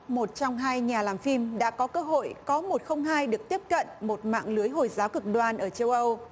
một trong hai nhà làm phim đã có cơ hội có một không hai được tiếp cận một mạng lưới hồi giáo cực đoan ở châu âu